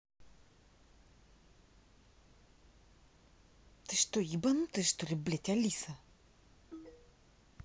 ты что ебанутая что ли блядь алиса